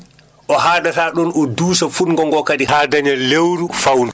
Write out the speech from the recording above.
o haaɗataa ɗoon o duusa fuɗngo ngoo kadi haa daña lewru fawdu